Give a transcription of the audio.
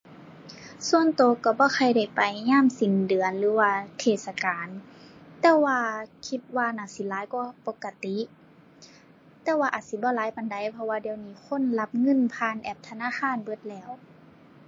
ส่วนตัวตัวบ่ค่อยได้ไปยามสิ้นเดือนหรือว่าเทศกาล แต่ว่าคิดว่าน่าสิหลายกว่าปกติ แต่ว่าอาจสิบ่หลายปานใด เพราะว่าเดี๋ยวนี้คนรับเงินผ่านแอปธนาคารเบิดแล้ว